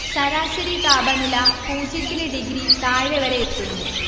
ശരാശരി താപനില പൂജ്യത്തിന് ഡിഗ്രി താഴെ വരെയെത്തുന്നു